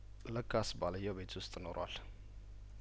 ለካስባል የው ቤት ውስጥ ኖሯል